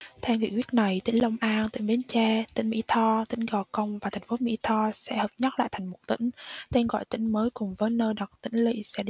theo nghị quyết này tỉnh long an tỉnh bến tre tỉnh mỹ tho tỉnh gò công và thành phố mỹ tho sẽ hợp nhất lại thành một tỉnh tên gọi tỉnh mới cùng với nơi đặt tỉnh lỵ sẽ